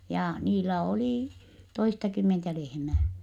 ja niillä oli toistakymmentä lehmää